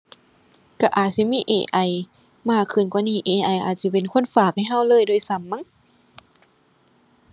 ก็อาจสิมี AI มากขึ้นกว่านี้ AI อาจสิเป็นคนฝากให้ก็เลยด้วยซ้ำมั้ง